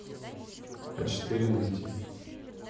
а четыре найти